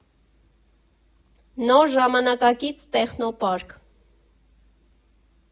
Նոր ժամանակակից տեխնոպարկ։